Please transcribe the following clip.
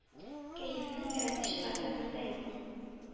Кәефнең рәте-чираты бер дә юк.